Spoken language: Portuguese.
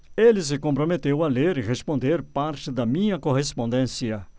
ele se comprometeu a ler e responder parte da minha correspondência